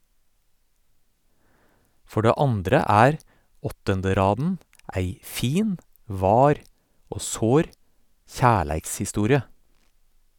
For det andre er Åttenderaden ei fin, var - og sår - kjærleikshistorie.